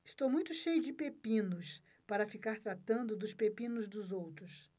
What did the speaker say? estou muito cheio de pepinos para ficar tratando dos pepinos dos outros